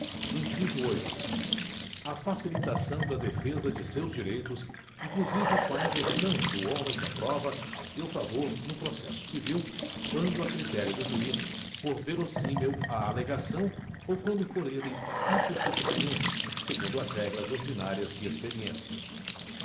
inciso oito a facilitação da defesa de seus direitos inclusive com a inversão do ônus da prova a seu favor no processo civil quando a critério do juiz for verossímil a alegação ou quando for ele hipossuficiente segundo as regras ordinárias de experiências